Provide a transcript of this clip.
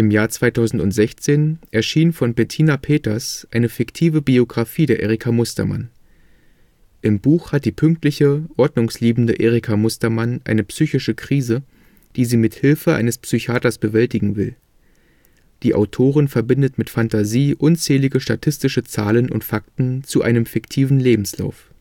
Jahr 2016 erschien von Bettina Peters eine fiktive Biografie der Erika Mustermann. Im Buch hat die pünktliche, ordnungsliebende Erika Mustermann eine psychische Krise, die sie mit Hilfe eines Psychiaters bewältigen will. Die Autorin verbindet mit Fantasie unzählige statistische Zahlen und Fakten zu einem fiktiven Lebenslauf